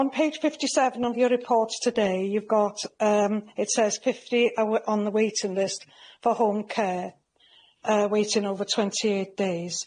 On page fifty seven of your report today you've got yym it says fifty aw- on the waiting list for home care yy waiting over twenty eight days.